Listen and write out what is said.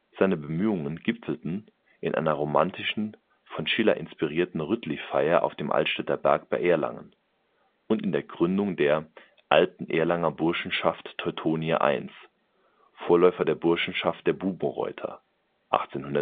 Seine Bemühungen gipfelten in einer romantischen, von Schiller inspirierten Rütly-Feier auf dem Altstädter Berg bei Erlangen, und in der Gründung der Alten Erlanger Burschenschaft Teutonia 1, Vorläufer der Burschenschaft der Bubenreuther (1817